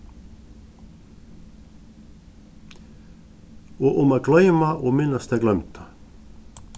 og um at gloyma og minnast tað gloymda